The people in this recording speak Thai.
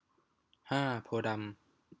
ห้าโพธิ์ดำ